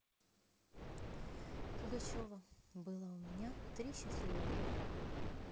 пугачева было у меня три счастливых дня